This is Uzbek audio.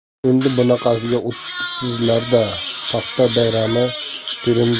endi bunaqasiga o'tibsizlar da paxta